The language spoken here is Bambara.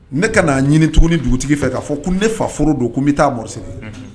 Ne kana'a ɲini tugun ni dugutigi fɛ k'a fɔ ko ne faforo don ko n bɛ taa morisiri